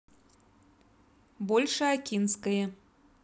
большеокинское